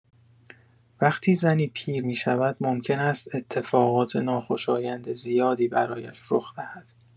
وقتی زنی پیر می‌شود، ممکن است اتفاقات ناخوشایند زیادی برایش رخ دهد.